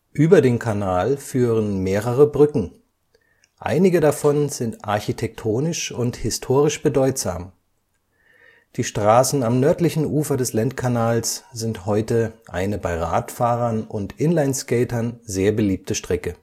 Über den Kanal führen mehrere Brücken, einige davon sind architektonisch und historisch bedeutsam. Die Straßen am nördlichen Ufer des Lendkanals sind heute eine bei Radfahrern und Inline-Skatern sehr beliebte Strecke